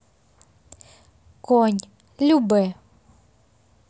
конь любэ